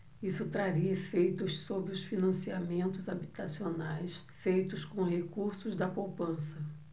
isso traria efeitos sobre os financiamentos habitacionais feitos com recursos da poupança